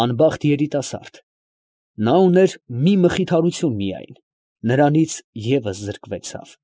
Անբախտ երիտասարդ, նա ուներ մի մխիթարություն միայն, նրանից ևս զրկվեցավ։